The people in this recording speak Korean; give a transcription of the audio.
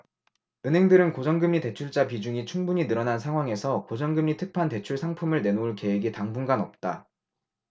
은행들은 고정금리대출자 비중이 충분히 늘어난 상황에서 고정금리 특판 대출상품을 내놓을 계획이 당분간 없다